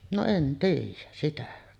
no en tiedä sitä